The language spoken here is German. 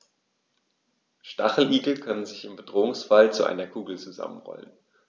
Stacheligel können sich im Bedrohungsfall zu einer Kugel zusammenrollen.